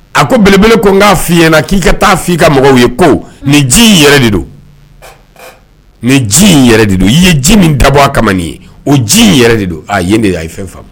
A ko belebele ko n ka fi ɲɛna ki ka taa fi ka mɔgɔw ye ko nin ci in yɛrɛ de don, nin ci in yɛrɛ de don i ye ci min daba kama nin ye , o ci in yɛrɛ de don . Aa yen de a ye fɛn famu.